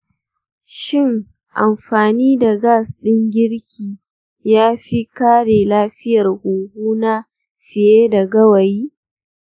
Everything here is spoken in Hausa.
shin amfani da gas ɗin girki ya fi kare lafiyar huhuna fiye da gawayi?